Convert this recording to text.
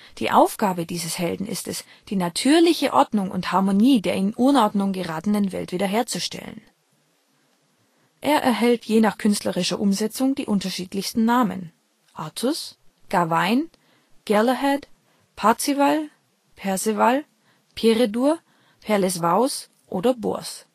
Die Aufgabe dieses Helden ist es, die natürliche Ordnung und Harmonie der in Unordnung geratenen Welt wiederherzustellen. Er erhält je nach künstlerischer Umsetzung die unterschiedlichsten Namen: Artus, Gawain, Galahad, Parzival, Perceval, Peredur, Perlesvaus oder Bors